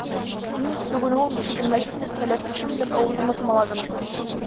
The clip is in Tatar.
Мин, сүгенүем ишетелмәсен дип, кәләпүшем белән авызымны томаладым.